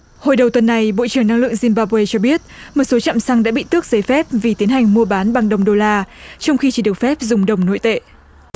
hồi đầu tuần này bộ trưởng năng lượng dim ba guê cho biết một số trạm xăng đã bị tước giấy phép vì tiến hành mua bán bằng đồng đô la trong khi chỉ được phép dùng đồng nội tệ